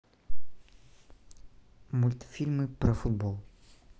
мультфильмы про футбол